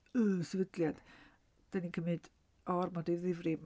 Yy sefydliad!. Dan ni'n cymryd o ormod o ddifri.